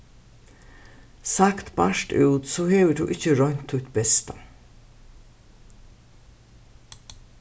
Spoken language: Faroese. sagt bart út so hevur tú ikki roynt títt besta